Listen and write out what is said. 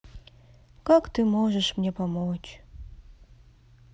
как ты можешь мне помочь